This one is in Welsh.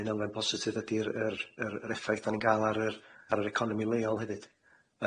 un un elfen positif ydi'r yr yr yr effaith 'dan ni'n ga'l ar yr ar yr economi leol hefyd.